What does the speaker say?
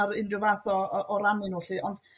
ar unrhyw fath o o o rannu n'w 'llu.